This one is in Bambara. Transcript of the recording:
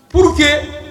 Pte